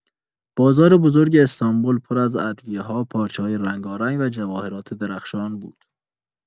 بازار بزرگ استانبول پر از ادویه‌ها، پارچه‌های رنگارنگ و جواهرات درخشان بود.